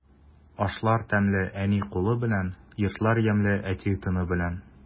Ашлар тәмле әни кулы белән, йортлар ямьле әти тыны белән.